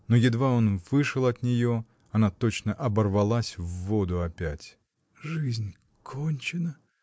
Но едва он вышел от нее, она точно оборвалась в воду опять. — Жизнь кончена!